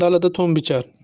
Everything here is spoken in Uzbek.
dalada to'n bichar